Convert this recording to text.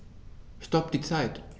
Stopp die Zeit